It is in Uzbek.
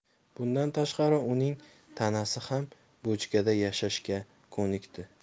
bundan tashqari uning tanasi ham bochkada yashashga ko'nikdi